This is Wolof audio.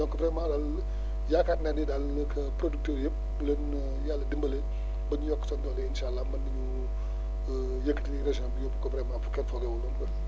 donc vraiment daal yaakaar naa ni daal que producteurs yëpp bu leen yàlla dimbalee ba ñu yokk seen doole incha allah mën nañu yëkkati région bi yóbbu ko vraiment fu kenn foogeewul woon